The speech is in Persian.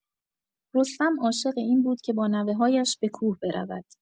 رستم عاشق این بود که با نوه‌هایش به کوه برود.